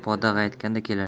poda qaytganda kelar